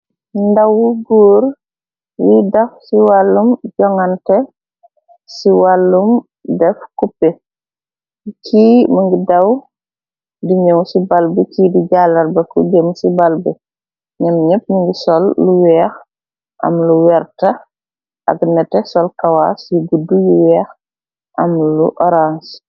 Ndawu gór wi daf ci wàllum joŋgante ci wàllum def kope ki mu ngi daw diñëw ci bal bi ki di jàllar ba ku jem ci balb ñom ñep ñu ngi sol lu wèèx am lu werta ak neteh sol kawas yu guddu yu wèèx am lu orans.